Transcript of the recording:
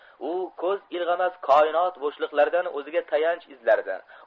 u ko'z ilg'amas koinot bo'shliqlaridan o'ziga tayanch izlardi